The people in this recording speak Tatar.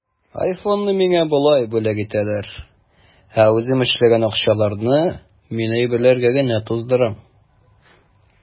Айфонны миңа болай бүләк итәләр, ә үзем эшләгән акчаларны мин әйберләргә генә туздырам.